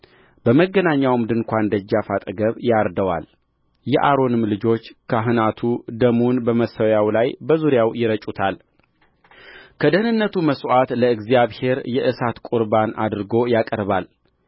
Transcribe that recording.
በመገናኛውም ድንኳን ደጃፍ አጠገብ ያርደዋል የአሮንም ልጆች ካህናቱ ደሙን በመሠዊያው ላይ በዙሪያው ይረጩታልከደኅንነቱም መሥዋዕት ለእግዚአብሔር የእሳት ቍርባን አድርጎ ያቀርባል